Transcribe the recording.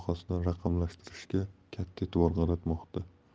sohasini raqamlashtirishga katta e'tibor qaratmoqda